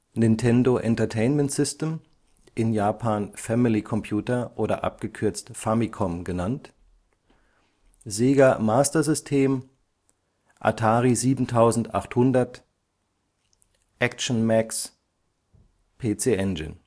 Nintendo Entertainment System, in Japan Family Computer (Famicom) Sega Master System Atari 7800 Action Max PC Engine